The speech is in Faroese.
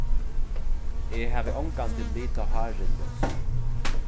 eg havi ongantíð litað hárið ljóst